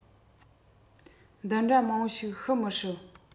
འདི འདྲ མང པོ ཞིག ཤི མི སྲིད